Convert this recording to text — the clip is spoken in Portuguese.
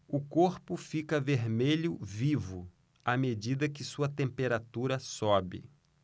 o corpo fica vermelho vivo à medida que sua temperatura sobe